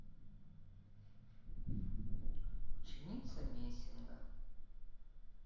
ученица мессинга